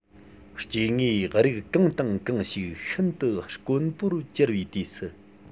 སྐྱེ དངོས རིགས གང དང གང ཞིག ཤིན ཏུ དཀོན པོར གྱུར པའི དུས སུ